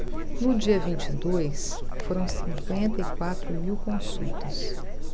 no dia vinte e dois foram cinquenta e quatro mil consultas